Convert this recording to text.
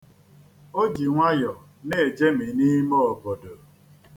O ji nwayọ na-ejemi n'ime obodo.